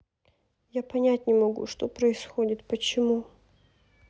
я понять не могу что происходит почему